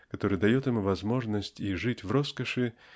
который дает ему возможность и жить в роскоши